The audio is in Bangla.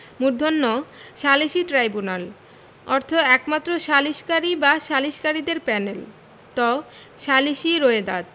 ণ সালিসী ট্রাইব্যুনাল অর্থ একমাত্র সালিসকারী বা সালিসকারীদের প্যানেল ত সালিসী রোয়েদাদ